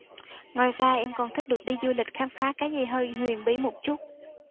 ngoài ra em còn thích được đi du lịch khám phá cái gì hơi huyền bí một chút